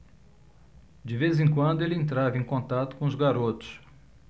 de vez em quando ele entrava em contato com os garotos